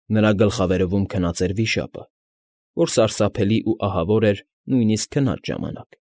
Նրա գլխավերևում քնած էր վիշապը, որ սարսափելի ու ահավոր էր նույնիսկ քնած ժամանակ։